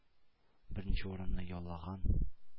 Беренче урынны яулаган